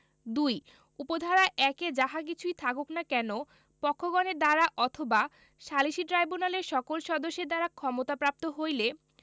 ২ উপ ধারা ১ এ যাহা কিছুই থাকুক না কেন পক্ষগণের দ্বারা অথবা সালিসী ট্রাইব্যুনালের সকল সদস্যের দ্বারা ক্ষমতাপ্রাপ্ত হইলে